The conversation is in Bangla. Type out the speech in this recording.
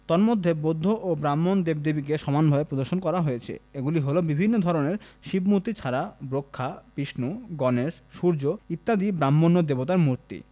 তন্মধ্যে বৌদ্ধ ও ব্রাক্ষ্মণ দেবদেবীকে সমানভাবে প্রদর্শন করা হয়েছে এগুলি হলো বিভিন্ন ধরনের শিব মূর্তি ছাড়া ব্রহ্মা বিষ্ণু গণেশ সূর্য ইত্যাদি ব্রাহ্মণ্য দেবতার মূর্তি